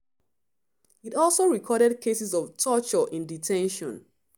It also recorded cases of torture in detention.